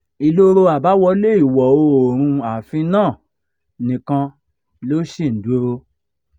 Ìloro àbáwọlé ìwọ̀-oòrùn-un ààfin náà nìkan ló ṣì ń dúró.